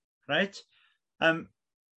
Reit yym